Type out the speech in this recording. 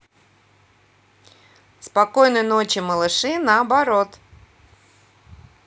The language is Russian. спокойной ночи малыши наоборот